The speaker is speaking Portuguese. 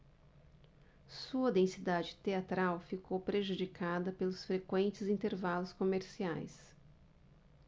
sua densidade teatral ficou prejudicada pelos frequentes intervalos comerciais